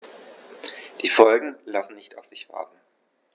Die Folgen lassen nicht auf sich warten.